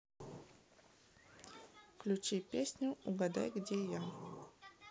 включи песню угадай где я